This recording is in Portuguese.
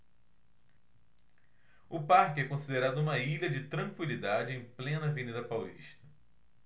o parque é considerado uma ilha de tranquilidade em plena avenida paulista